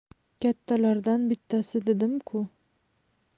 kattalardan bittasi didim ku